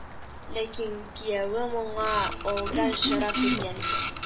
Ләкин кияү моңа алдан чара күргән икән: